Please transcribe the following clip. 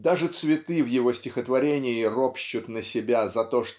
Даже цветы в его стихотворении ропщут на себя за то